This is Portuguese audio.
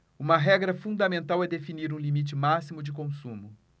uma regra fundamental é definir um limite máximo de consumo